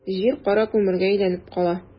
Җир кара күмергә әйләнеп кала.